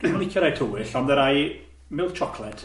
Dwi'm yn licio rai tywyll, ond rai milk chocolate.